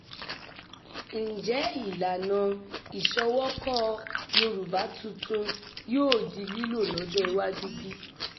Ǹjẹ́ ìlànà ìṣọwọ́kọ Yorùbá tuntun yóò di lílò lọ́jọ́ iwájú bí?